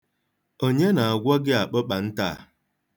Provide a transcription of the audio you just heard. Onye na-agwọ gị àkpụkpàntà a?